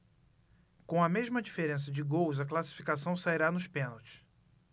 com a mesma diferença de gols a classificação sairá nos pênaltis